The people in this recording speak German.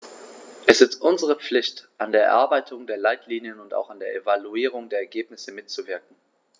Es ist unsere Pflicht, an der Erarbeitung der Leitlinien und auch an der Evaluierung der Ergebnisse mitzuwirken.